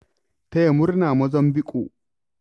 Taya murna, Mozambiƙue